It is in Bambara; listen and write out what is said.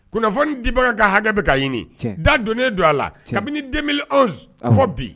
Kunnafoni dibaga ka hakɛ bɛ ka ɲini tiɲɛ da donnen don a la kabini 2011 awɔ fɔ bi